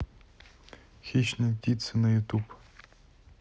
хищные птицы на ютуб